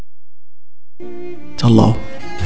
الله